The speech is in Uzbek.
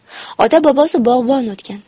ota bobosi bog'bon o'tgan